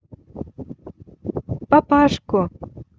папашку